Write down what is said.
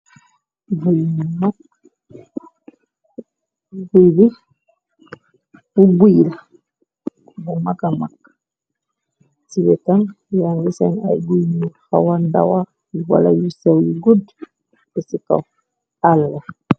Bbubuy la bu magamagk ci bekam yanbi seen ay biy nu xawan dawa yi wala yu sew yu gudd te ci kaw alla.